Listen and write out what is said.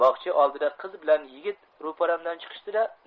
bog'cha oldida qiz bilan yigit ro'paramdan chiqishdi da